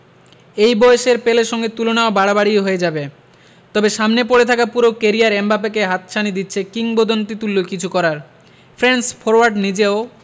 এই বয়সের পেলের সঙ্গে তুলনাও বাড়াবাড়িই হয়ে যাবে তবে সামনে পড়ে থাকা পুরো ক্যারিয়ার এমবাপ্পেকে হাতছানি দিচ্ছে কিংবদন্তিতুল্য কিছু করার ফ্রেঞ্চ ফরোয়ার্ড নিজেও